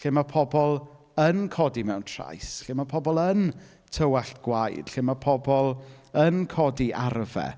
Lle ma' pobl yn codi mewn trais. Lle ma' pobl yn tywallt gwaed. Lle ma' pobl yn codi arfau.